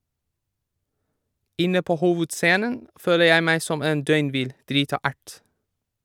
- Inne på Hovudscenen føler jeg meg som en døgnvill , drita ert.